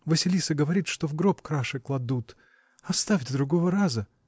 Василиса говорит, что в гроб краше кладут. Оставь до другого раза.